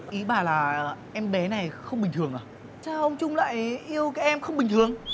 ý bà là em bé này không bình thường à sao ông trung lại yêu cái em không bình thường